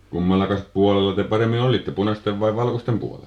kummallakos puolella te paremmin olitte punaisten vai valkoisten puolella